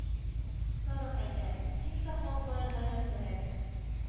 Сарык әйтә: «Син, сакалбай, гайрәтлерәк».